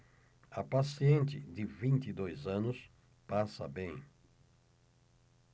a paciente de vinte e dois anos passa bem